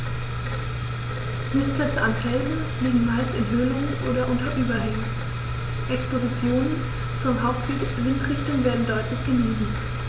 Nistplätze an Felsen liegen meist in Höhlungen oder unter Überhängen, Expositionen zur Hauptwindrichtung werden deutlich gemieden.